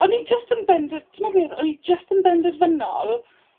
O'n i jyst yn bender- t'mod beth? O'n i jyst yn benderfynol